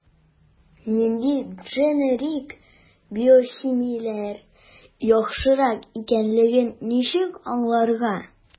Нинди дженерик/биосимиляр яхшырак икәнлеген ничек аңларга?